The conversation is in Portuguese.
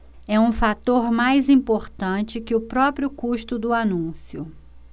é um fator mais importante que o próprio custo do anúncio